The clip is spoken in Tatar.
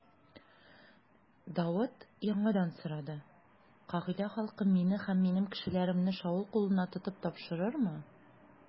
Давыт яңадан сорады: Кыгыйлә халкы мине һәм минем кешеләремне Шаул кулына тотып тапшырырмы?